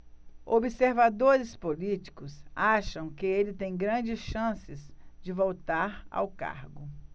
observadores políticos acham que ele tem grandes chances de voltar ao cargo